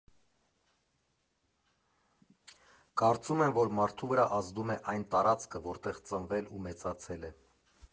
Կարծում եմ, որ մարդու վրա ազդում է այն տարածքը, որտեղ ծնվել ու մեծացել է։